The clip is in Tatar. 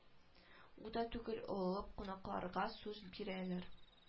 Ул да түгел олылап кунакларга сүз бирәләр